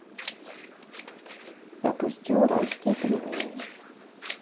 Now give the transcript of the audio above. запусти уральские пельмени